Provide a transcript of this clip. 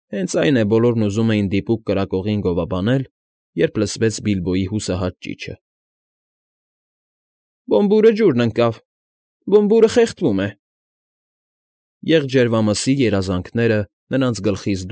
Հենց այն է բոլորն ուզում էին դիպուկ կրակողին գովաբանել, երբ լսվեց Բիլբոյի հուսահատ ճիչը. ֊֊ Բոմբուրը ջուրն ընկավ,֊ Բոմբուրը խեղդվում է… Եղջերվամսի երազանքները նրանց գլխից։